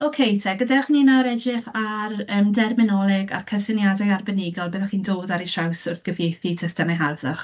Ocê te, gadewch i ni nawr edrych ar, yym, derminoleg a'r cysyniadau arbenigol byddwch chi'n dod ar eu traws wrth gyfieithu testunau harddwch.